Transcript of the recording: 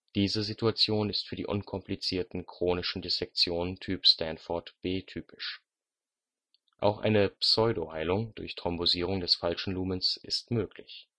Diese Situation ist für die unkomplizierten chronischen Dissektionen Typ Stanford B typisch. Auch eine „ Pseudoheilung “durch Thrombosierung des falschen Lumens ist möglich